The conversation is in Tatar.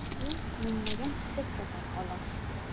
Ул меңләгән кисәккә таркала.